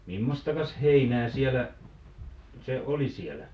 mimmoista heinää siellä se oli siellä